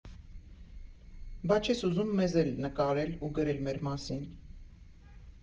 «Բա չե՞ս ուզում մեզ էլ նկարել ու գրել մեր մասին»։